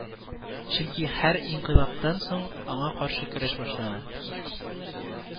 Чөнки һәр инкыйлабтан соң аңа каршы көрәш башлана